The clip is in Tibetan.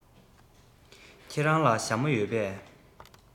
ཁྱེད རང ལ ཞྭ མོ ཡོད པས